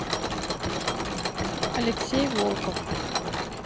алексей волков